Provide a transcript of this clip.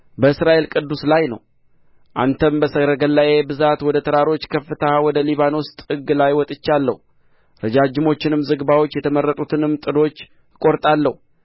በእስራኤል ቅዱስ ላይ ነው አንተም በሰረገላዬ ብዛት ወደ ተራሮች ከፍታ ወደ ሊባኖስ ጥግ ላይ ወጥቻለሁ ረጃጅሞቹንም ዝግባዎች የተመረጡትንም ጥዶች እቈርጣለሁ